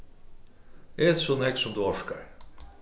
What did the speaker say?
et so nógv sum tú orkar